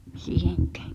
siihenkään